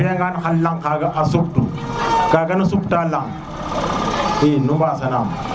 a fiya ngan xay lang kaga a sup tu kaga na sup ta lang i nu mbasa naam